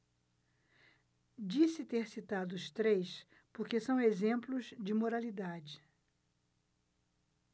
disse ter citado os três porque são exemplos de moralidade